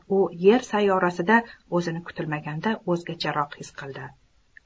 u yer sayyorasida o'zini kutilmaganda o'zgacharoq his etdi